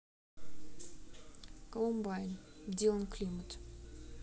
columbine дилан климат